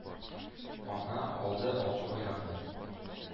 Ана алды алсу байракны,